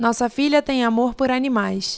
nossa filha tem amor por animais